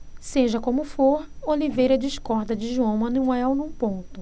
seja como for oliveira discorda de joão manuel num ponto